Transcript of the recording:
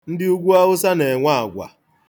Ndị ugwuawụsa na-enwe agwa.